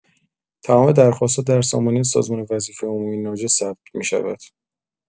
تمام درخواست‌ها در سامانه سازمان وظیفه عمومی ناجا ثبت می‌شود.